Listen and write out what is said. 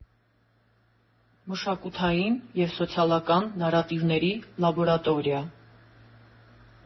Մշակութային և սոցիալական նարատիվների լաբորատորիա։